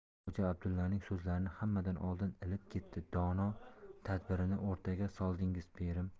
u xo'ja abdullaning so'zlarini hammadan oldin ilib ketdi dono tadbirni o'rtaga soldingiz pirim